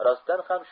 rostdan ham